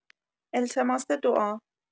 التماس دعا